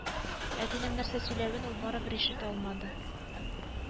Әтинең нәрсә сөйләвен ул барыбер ишетә алмады